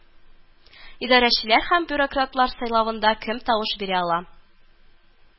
Идарәчеләр һәм бюрократлар сайлавында кем тавыш бирә ала